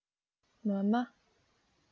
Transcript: མཱ མཱ